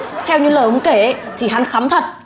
theo như lời ý ông kể thì hắn khắm thật